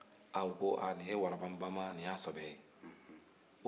u ko a nin ye waraban baman ni y'a sɛbɛ ye